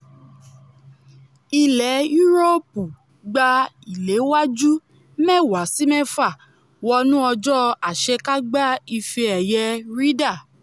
Ilẹ̀ Yuroopu gba ìléwájú 10-6 wọnú ọjọ́ àṣèkágbá Ife-ẹ̀yẹ Ryder.